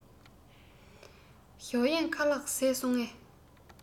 ཞའོ གཡན ཁ ལག བཟས སོང ངས